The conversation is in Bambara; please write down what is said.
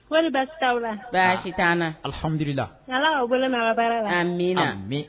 Paul baasi t'aw la baasi t na hammirila ala bolo nabaa min na mɛ